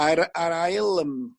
ond...A'r a'r ail yym